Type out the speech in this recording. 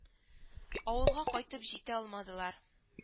Авылга кайтып җитә алмадылар